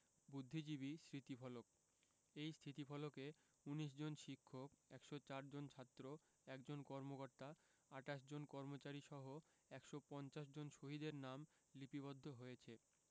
বুদ্ধিজীবী স্মৃতিফলক এই স্থিতিফলকে ১৯ জন শিক্ষক ১০৪ জন ছাত্র ১ জন কর্মকর্তা ২৮ জন কর্মচারীসহ ১৫০ জন শহীদের নাম লিপিবদ্ধ হয়েছে